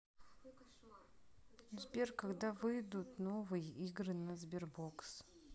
сбер когда выйдут новые игры на sberbox